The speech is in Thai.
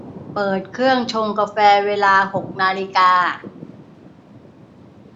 เปิดเครื่องชงกาแฟเวลาหกนาฬิกา